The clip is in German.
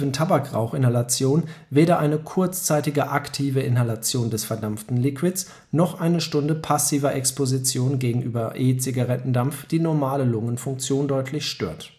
Tabakrauchinhalation (aktiv) weder eine kurzzeitige (aktive) Inhalation des verdampften Liquids, noch eine Stunde (passiver) Exposition gegenüber E-Zigarettendampf die normale Lungenfunktion deutlich stört